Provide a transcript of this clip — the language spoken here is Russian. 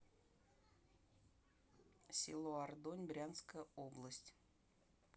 село ардонь брянская область